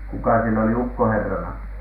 kuka siellä oli ukkoherrana